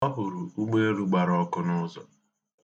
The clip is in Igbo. Ọ hụrụ ugbeelu gbara ọkụ n'ụzọ.